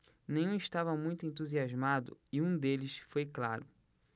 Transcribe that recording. nenhum estava muito entusiasmado e um deles foi claro